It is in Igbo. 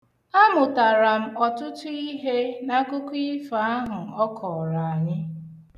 Amụtara m ọtụtụ ihe n'akụkọ ifo ahụ ọ kọọrọ anyị.